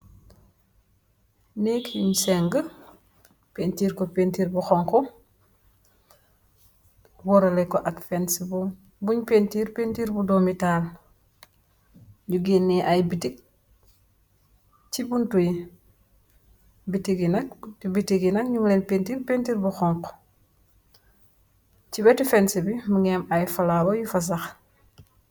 neek bun seng péntiir ko péntir bu xonk worale ko ak fens buñ péntiir péntiir bu domitaal yu gennée ay bitig ci buntuy bitik gina biti ginak numleen pintiir péntir bu xonk ci weti fens bi mu amm ay falawa yu fa sax.